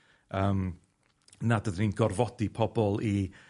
yym nad ydyn ni'n gorfodi pobol i